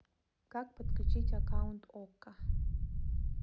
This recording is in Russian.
как подключить аккаунт окко